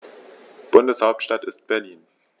Bundeshauptstadt ist Berlin.